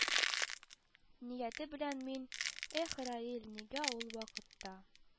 Нияте белән мин: «эх, раил, нигә ул вакытта